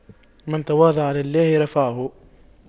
من تواضع لله رفعه